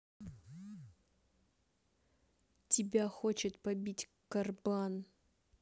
тебя хочет побить корбан